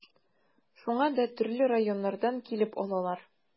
Шуңа да төрле районнардан килеп алалар.